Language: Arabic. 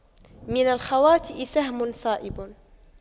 من الخواطئ سهم صائب